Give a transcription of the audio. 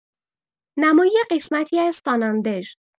نمای قسمتی از سانان دژ